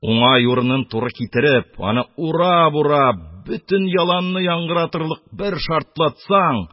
Уңай урынын туры китереп, аны урап-урап, бөтен яланны яңгыратырлык бер шартлатсаң,